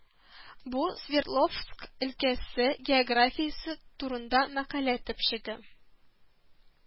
Бу Свердловск өлкәсе географиясе турында мәкалә төпчеге